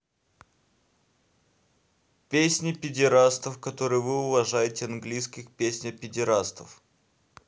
песни пидерастов которые вы уважаете английских песня педерастов